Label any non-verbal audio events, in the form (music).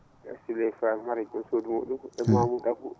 e Sileye Samary e jom suudu mu?um (smacks lips) e Mamoudou Abou